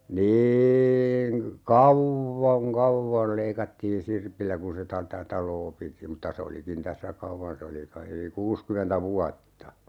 niin - kauan kauan leikattiin sirpillä kun se -- taloa piti mutta se olikin tässä kauan se oli kai yli kuusikymmentä vuotta